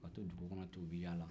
ka to dugu kɔnɔ ten u bɛ yala